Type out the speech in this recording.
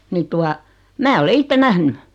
niin tuota minä olen itse nähnyt